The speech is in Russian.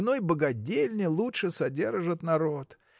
в иной богадельне лучше содержат народ.